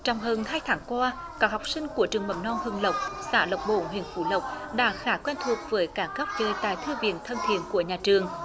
trong hơn hai tháng qua các học sinh của trường mầm non hưng lộc xã lộc bổn huyện phú lộc đã khá quen thuộc với các góc chơi tại thư viện thân thiện của nhà trường